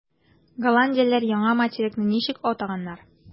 Голландиялеләр яңа материкны ничек атаганнар?